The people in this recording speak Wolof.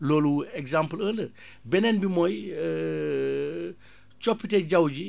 loolu exemple un la beneen bi mooy coppiteg jaww ji